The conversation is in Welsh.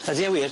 Ydi e wir?